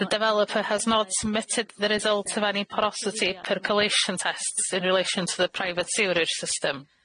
The developer has not submitted the results of any porosity percolation tests in relation to the private sewerage system.